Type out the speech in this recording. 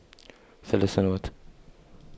ثلاث سنوات